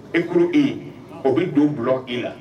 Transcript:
Eure o bɛ don bilalɔ i la